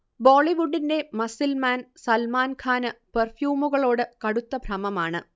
ബോളിവുഡിന്റെ muscle man സൽമാൻഖാന് പെർഫ്യൂമുകളോട് കടുത്ത ഭ്രമമാണ്